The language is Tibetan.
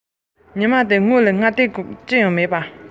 ཉི མ དེའི ཕྱི ཉིན སྔ ལྟས གང ཡང